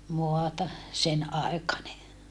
maata senaikainen